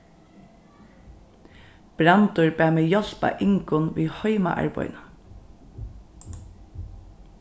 brandur bað meg hjálpa ingunn við heimaarbeiðinum